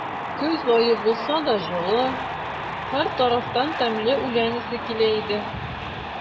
Көз ае булса да, җылы; һәр тарафтан тәмле үлән исе килә иде.